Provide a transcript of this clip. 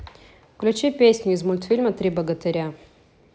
включи песню из мультфильма три богатыря